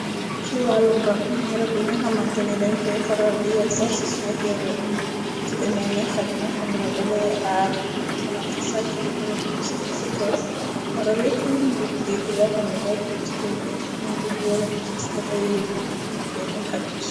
Ci wàllum rab bi rab yi nga xamante ni dañ koy faral di yar sarse suñu këre ne ci demee ni xac nga xamine dalay aar banga xamante sàcc du mëna bu gusa skers wara li fulumadu beggi loo xamne bokk ci kërge muy buddi wara bëcët dafay yuuxu mu tude ko xacc.